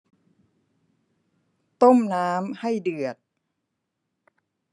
ต้มน้ำให้เดือด